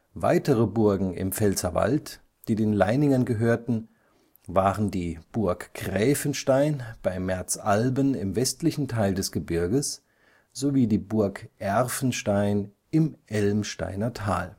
Weitere Burgen im Pfälzerwald, die den Leiningern gehörten, waren die Burg Gräfenstein bei Merzalben im westlichen Teil des Gebirges sowie die Burg Erfenstein im Elmsteiner Tal